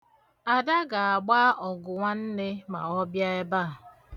Ada ga-agba ọgụ nwanne ma ọ bịa ebe a.